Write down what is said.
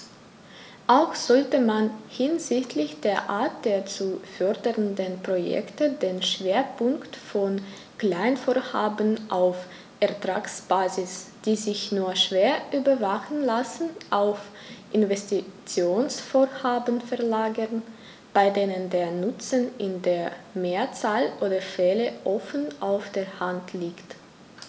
Auch sollte man hinsichtlich der Art der zu fördernden Projekte den Schwerpunkt von Kleinvorhaben auf Ertragsbasis, die sich nur schwer überwachen lassen, auf Investitionsvorhaben verlagern, bei denen der Nutzen in der Mehrzahl der Fälle offen auf der Hand liegt.